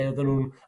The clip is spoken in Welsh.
lle o'dden nhw'n